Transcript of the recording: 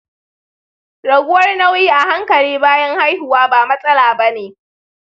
raguwar nauyi a hankali bayan haihuwa ba matsala bane.